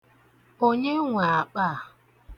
Onye nwe akpa a?